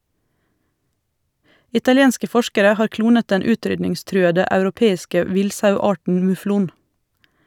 Italienske forskere har klonet den utrydningstruede europeiske villsauarten muflon.